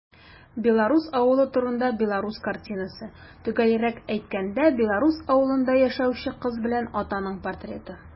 Белорус авылы турында белорус картинасы - төгәлрәк әйткәндә, белорус авылында яшәүче кыз белән атаның портреты.